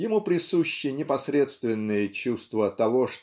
Ему присуще непосредственное чувство того